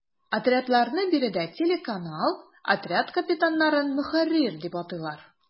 Отрядларны биредә “телеканал”, отряд капитаннарын “ мөхәррир” дип атыйлар.